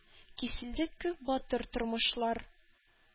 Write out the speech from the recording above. Киселде күп батыр тормышлар,